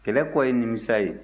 kɛlɛ ko ye nimisa ye